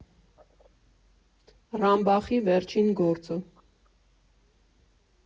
Ռամբախի վերջին գործը։